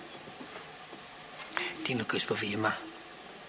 Ti'n lwcus bo' fi yma.